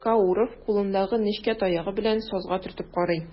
Кауров кулындагы нечкә таягы белән сазга төртеп карый.